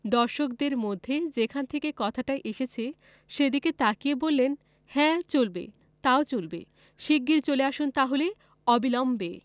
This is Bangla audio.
দর্শকদের মধ্যে যেখান থেকে কথাটা এসেছে সেদিকে তাকিয়ে বললেন হ্যাঁ চলবে তাও চলবে শিগগির চলে আসুন তাহলে অবিলম্বে